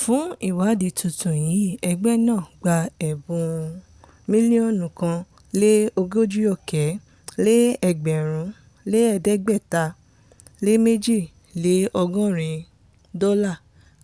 Fún ìwádìí tuntun yìí ẹgbẹ́ náà gba ẹ̀bùn $181,682